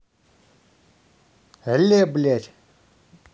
алле блять